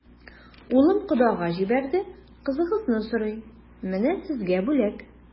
Улым кодага җибәрде, кызыгызны сорый, менә сезгә бүләк.